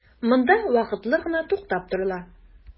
Монда вакытлы гына туктап торыла.